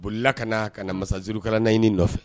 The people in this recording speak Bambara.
Bolila ka na ka na masa zurukala naɲiniini nɔfɛ